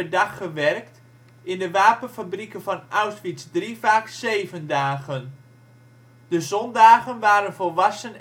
dag gewerkt (in de wapenfabrieken van Auschwitz III vaak zeven dagen). De zondagen waren voor wassen